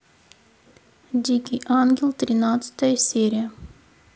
дикий ангел тринадцатая серия